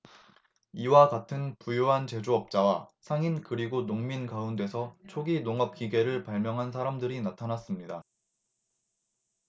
이와 같은 부유한 제조업자와 상인 그리고 농민 가운데서 초기 농업 기계를 발명한 사람들이 나타났습니다